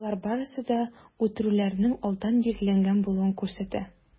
Болар барысы да үтерүләрнең алдан билгеләнгән булуын күрсәтә.